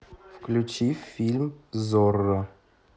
включи фильм зорро